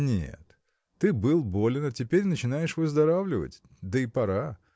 Нет: ты был болен, а теперь начинаешь выздоравливать, да и пора!